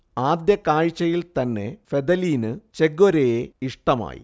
ആദ്യ കാഴ്ചയിൽ തന്നെ ഫെദിലീനു ചെ ഗുവേരയെ ഇഷ്ടമായി